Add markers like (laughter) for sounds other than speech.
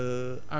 (hesitation) (hesitation)